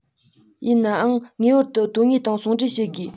ཡིན ནའང ངེས པར དུ དོན དངོས དང ཟུང འབྲེལ བྱེད དགོས